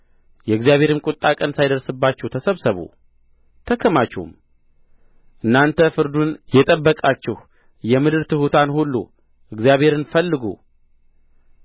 የእግዚአብሔርም ቍጣ ቀን ሳይደርስባችሁ ተሰብሰቡ ተከማቹም እናንተ ፍርዱን የጠበቃችሁ የምድር ትሑታን ሁሉ እግዚአብሔርን ፈልጉ